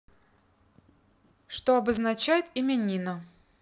что обозначает имя нина